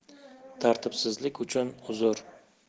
tartibsizlik uchun uzur